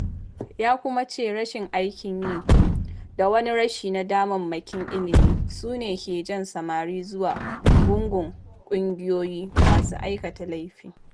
Ya kuma ce rashin aikin yi da wani rashi na damammakin ilmi su ne ke jan samari zuwa gungun ƙungiyoyi masu aikata laifi.